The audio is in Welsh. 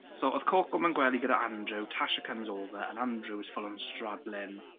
So oedd Coco mewn gwely gyda Andrew. Tasha comes over and Andrew is full on straddling...